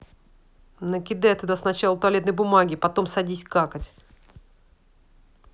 накидай туда сначала туалетной бумаги потом садись какать